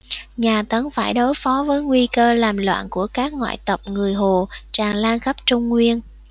nhà tấn phải đối phó với nguy cơ làm loạn của các ngoại tộc người hồ tràn lan khắp trung nguyên